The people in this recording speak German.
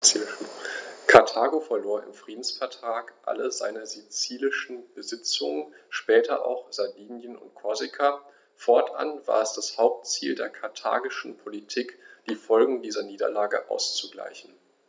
Karthago verlor im Friedensvertrag alle seine sizilischen Besitzungen (später auch Sardinien und Korsika); fortan war es das Hauptziel der karthagischen Politik, die Folgen dieser Niederlage auszugleichen.